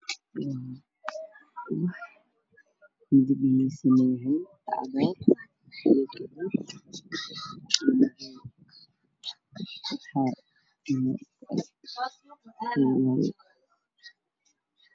Waxaa ii muuqda waxaa ku sawiran wax kaligiisa wajaale ubaxa waa cagaarku